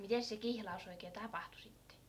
mites se kihlaus oikein tapahtui sitten